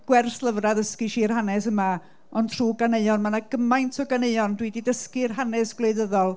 gwerslyfrau ddysgais i'r hanes yma, ond trwy ganeuon. Ma' 'na gymaint o ganeuon. Dwi i 'di dysgu'r hanes gwleidyddol.